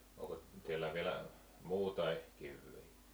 onko täällä vielä muutakin kiveä